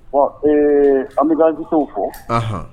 Bon ee, an b'i ka invités fo. Anhan!